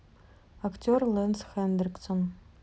актер лэнс хендриксон